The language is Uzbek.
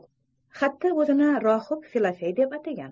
xatda o'zini rohib filofey deb atagan